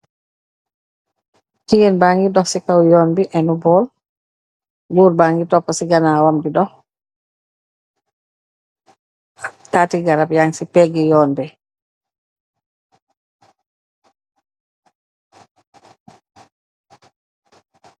Gigeen bangè dox ci kaw yon bi ènu bóól, gór ba ngi toppa ci ganaw wam di dox, tatti garam yang ci pegeh yon bi.